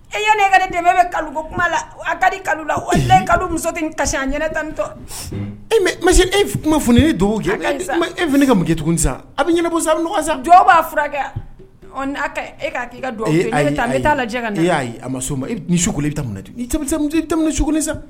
E yan nekɛ de bɛ bɛ kalo kuma la a kalo la olen kalo muso kasi a ɲɛnɛ tan nitɔ e e ma foni ni dugu kɛ e ka mun kɛ tugun sa a bɛ ɲsa ni sa jɔ b'a furakɛ ɔ a e ka i ka ne'a lajɛ ka e y' a ma so ma i su ta ten tɛmɛuguni sa